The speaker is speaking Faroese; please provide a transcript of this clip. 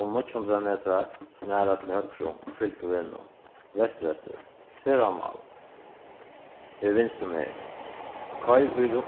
um níggju hundrað metrar snara til høgru og fylg vegnum vestureftir ferðamál er vinstrumegin koyr í